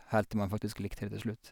Helt til man faktisk likte det til slutt.